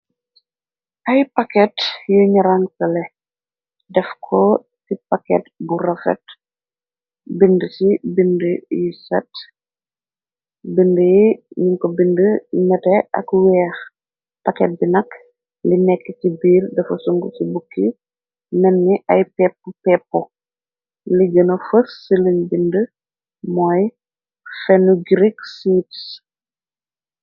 Ay paket yu ñaran fale def ko tip paket bu rofet bind ci bind yu set bind yi ñuñ ko bind y nete ak weex paket bi nakk li nekk ci biir dafa sung ci bukki nenni ay pep pe li gëna fër ci luñ bind mooy phenugrik seats.